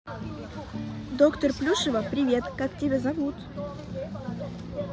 доктор плюшева привет как тебя зовут